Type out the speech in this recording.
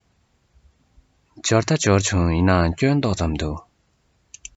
འབྱོར ད འབྱོར བྱུང ཡིན ནའི སྐྱོན ཏོག ཙམ འདུག